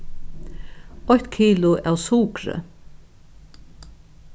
eitt kilo av sukri